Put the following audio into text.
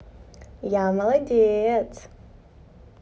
я молодец